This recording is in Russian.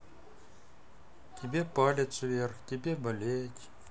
тебе палец вверх тебе болеть